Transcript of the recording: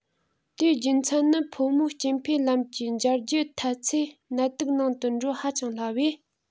དེའི རྒྱུ མཚན ནི ཕོ མོའི སྐྱེ འཕེལ ལམ གྱི འབྱར སྐྱི ཐལ ཚེ ནད དུག ནང དུ འགྲོ ཧ ཅང སླ བས